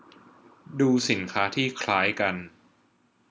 ดูสินค้าที่คล้ายกัน